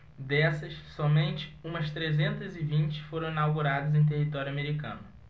dessas somente umas trezentas e vinte foram inauguradas em território americano